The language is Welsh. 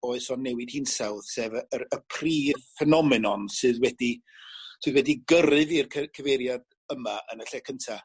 oes o newid hinsawdd sef y yr y prif ffenomenon sydd wedi sydd wedi gyrru fi i'r cy- cyfeiriad yma yn y lle cynta.